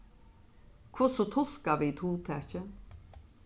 hvussu tulka vit hugtakið